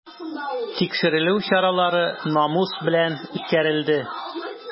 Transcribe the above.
Тикшерү чаралары намус белән үткәрелде.